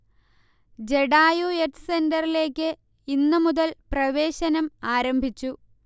Jatayu earth's സെന്ററിലേക്ക് ഇന്ന് മുതൽ പ്രവേശനം ആരംഭിച്ചു